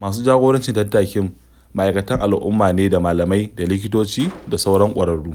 Masu jagorancin tattakin ma'aikatan al'umma ne da malamai da likitoci da sauran ƙwararru.